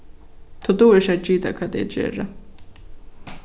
tú dugir ikki at gita hvat eg geri